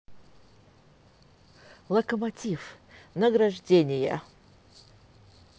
локомотив награждения